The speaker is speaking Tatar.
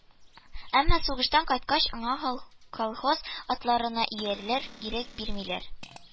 Әмма сугыштан кайткач аңа колхоз атларын иярләргә ирек бирмиләр